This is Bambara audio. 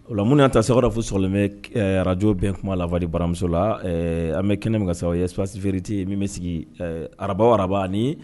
Ola minnu' ta sara fo sɔrɔlen bɛ arajo bɛn kuma la baramuso la an bɛ kɛnɛ ma sababu yessifiti min bɛ sigi araba araba ani ye